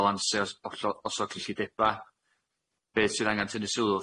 falanse os hollol os o'r cyllideba' beth sydd angan tynnu sylw